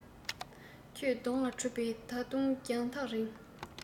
ཁྱེད གདོང ལས གྲུབ པའི ད དུང རྒྱང ཐག རིང